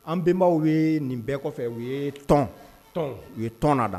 An bɛnenbaw ye nin bɛɛ kɔfɛ u ye tɔn u ye tɔn da